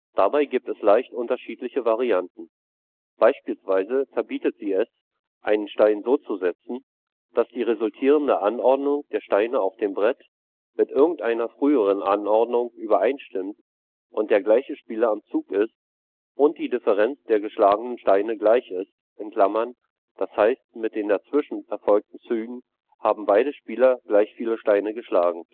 Dabei gibt es leicht unterschiedliche Varianten. Beispielsweise verbietet sie es, einen Stein so zu setzen, dass die resultierende Anordnung der Steine auf dem Brett mit irgendeiner früheren Anordnung übereinstimmt und der gleiche Spieler am Zug ist und die Differenz der geschlagenen Steine gleich ist (das heißt mit den dazwischen erfolgten Zügen haben beide Spieler gleich viele Steine geschlagen